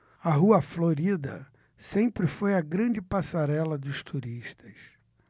a rua florida sempre foi a grande passarela dos turistas